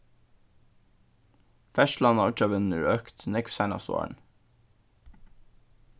ferðslan á oyggjarvegnum er økt nógv seinastu árini